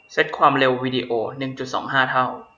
เซ็ตความเร็ววีดีโอหนึ่งจุดสองห้าเท่า